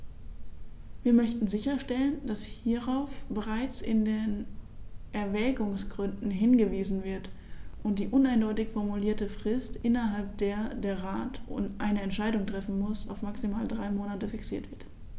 Wir möchten sicherstellen, dass hierauf bereits in den Erwägungsgründen hingewiesen wird und die uneindeutig formulierte Frist, innerhalb der der Rat eine Entscheidung treffen muss, auf maximal drei Monate fixiert wird.